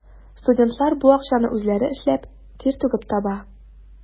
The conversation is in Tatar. Студентлар бу акчаны үзләре эшләп, тир түгеп таба.